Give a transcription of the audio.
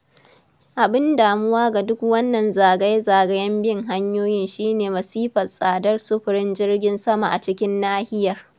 Abin damuwa ga duk wannan zagaye-zagayen bin hanyoyin shi ne masifar tsadar sufurin jirgin sama a cikin nahiyar.